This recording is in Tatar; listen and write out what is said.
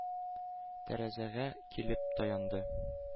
Тәрәзәгә килеп таянды,